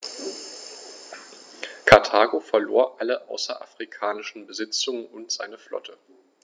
Karthago verlor alle außerafrikanischen Besitzungen und seine Flotte.